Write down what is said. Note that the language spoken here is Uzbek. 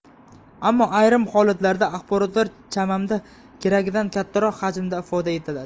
ammo ayrim holatlarda axborotlar chamamda keragidan kattaroq hajmda ifoda etiladi